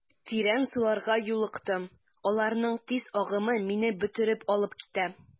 Тирән суларга юлыктым, аларның тиз агымы мине бөтереп алып китә.